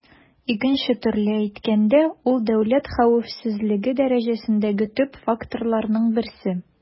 Икенче төрле әйткәндә, ул дәүләт хәвефсезлеге дәрәҗәсендәге төп факторларның берсе.